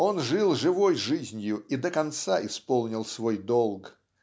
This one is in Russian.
он жил живою жизнью и до конца исполнил свой долг.